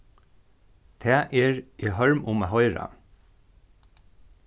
tað er eg hørm um at hoyra